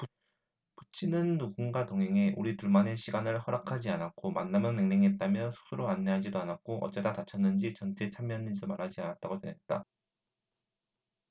부친은 누군가 동행해 우리 둘만의 시간을 허락하지 않았고 만남은 냉랭했다며 숙소로 안내하지도 않았고 어쩌다 다쳤는지 전투에 참여했는지도 말하지 않았다고 전했다